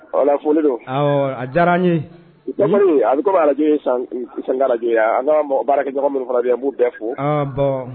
Ɔ folilen don a diyara n ye a bɛ koj sanj an'an baara kɛja min fana bɛ yan an b'u bɛɛ fo bɔn